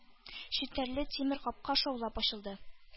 Челтәрле тимер капка шаулап ачылды.